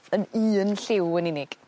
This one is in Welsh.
yn un lliw yn unig.